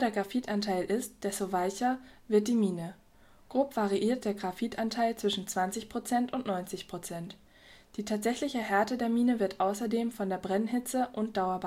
Graphitanteil ist, desto weicher wird die Mine. Grob variiert der Graphitanteil zwischen 20 % und 90 %. Die tatsächliche Härte der Mine wird außerdem von der Brennhitze und - dauer beeinflusst